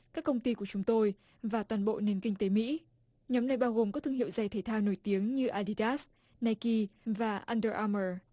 các công ty của chúng tôi và toàn bộ nền kinh tế mỹ nhóm này bao gồm các thương hiệu giày thể thao nổi tiếng như a đi đát nai ki và ăn đờ a mờ